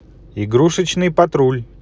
игрушечный патруль